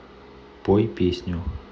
пой песню